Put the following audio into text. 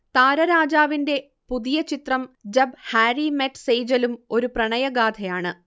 താരരാജാവിന്റെ പുതിയ ചിത്രം Jab Harry met സേജലും ഒരു പ്രണയഗാഥയാണ്